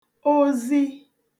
ozi